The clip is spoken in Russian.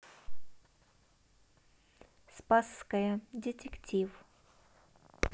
спасская детектив